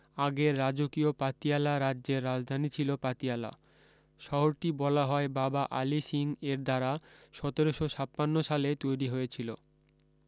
আগের রাজকীয় পাতিয়ালা রাজ্যের রাজধানী ছিল পাতিয়ালা শহরটি বলা হয় বাবা আলা সিং এর দ্বারা সতেরশ ছাপান্ন সালে তৈরী হয়েছিলো